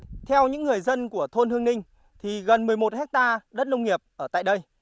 theo những người dân của thôn hương ninh thì gần mười một héc ta đất nông nghiệp ở tại đây